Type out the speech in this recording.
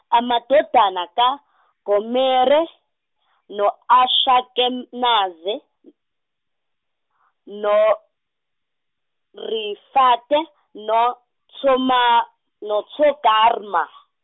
amadodana ka- Gomere, no- Ashakenaze, no- Rifate, no- Tshoma, no- Tshogarma.